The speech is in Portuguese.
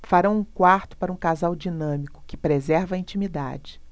farão um quarto para um casal dinâmico que preserva a intimidade